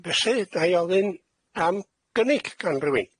Felly, ga i ofyn am gynnig gan rywin?